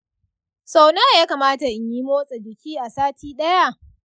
sau nawa ya kamata in yi motsa jiki a sati ɗaya?